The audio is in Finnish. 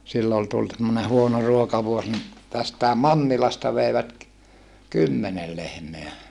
silloin oli tullut semmoinen huono ruokavuosi niin tästäkin Mannilasta veivät kymmenen lehmää